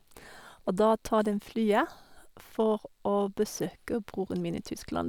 Og da tar dem flyet for å besøke broren min i Tyskland.